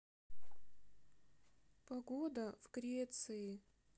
погода в греции